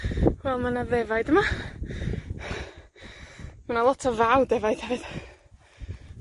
Wel, ma' 'na ddefaid yma. Ma' 'na lot o faw defaid hefyd.